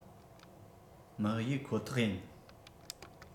མི གཡུགས ཁོ ཐག ཡིན